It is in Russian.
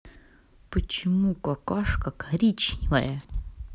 почему какашка коричневая